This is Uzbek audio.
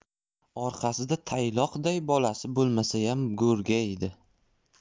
orqasida tayloqday bolasi bo'lmasayam go'rgaydi